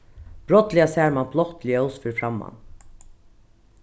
brádliga sær man blátt ljós fyri framman